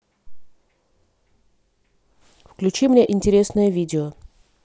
включи мне интересное видео